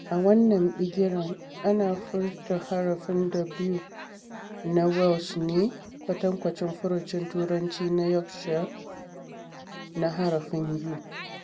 A wannan bigiren, ana furta harafin w na Welsh ne kwatankwacin furucin Turanci na Yorshire na harafin u.